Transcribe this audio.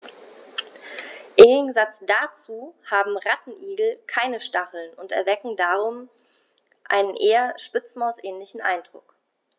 Im Gegensatz dazu haben Rattenigel keine Stacheln und erwecken darum einen eher Spitzmaus-ähnlichen Eindruck.